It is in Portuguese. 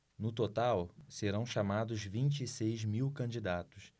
no total serão chamados vinte e seis mil candidatos